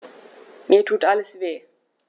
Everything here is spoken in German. Mir tut alles weh.